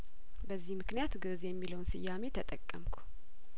በዚህ ምክንያት ግእዝ የሚለውን ስያሜ ተጠቀምኩ